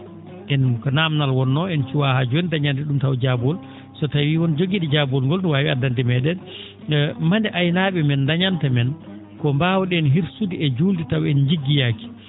en ko naamdal wonnoo en cuwaa haa jooni dañande ?um taw jaabuwol so tawii won jogii?o jabuwol ngol ne waawi addande mee?en mande aynaa?e men dañanta men ko mbaaw?en hirsude e juulde taw en jiggiyaaki